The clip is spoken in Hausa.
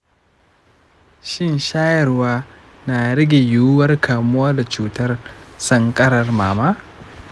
shin shayarwa na rage yiwuwar kamuwa da cutar sankarar mama?